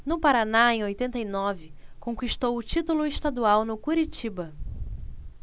no paraná em oitenta e nove conquistou o título estadual no curitiba